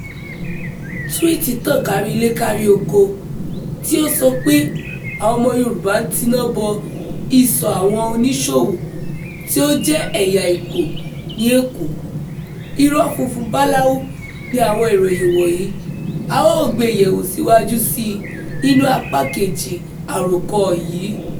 Túwíìtì tàn kárí ilé kárí oko tí ó sọ pé àwọn ọmọ Yorùbá ń tiná bọ ìsọ̀ àwọn oníṣòwò tí ó jẹ́ ẹ̀yà Igbo ní Èkó. Irọ́ funfun báláwú ni àwọn ìròyìn wọ̀nyí, a ó gbé e yẹ̀ wò síwájú sí i nínú Apá kejì àròkọ yìí.